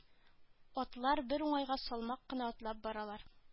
Атлар бер уңайга салмак кына атлап баралар